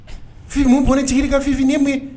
Fifi mun bɔnɛ jigil'i kan f:ifi nin ye mun ye?